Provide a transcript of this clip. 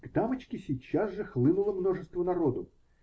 К дамочке сейчас же хлынуло множество народу.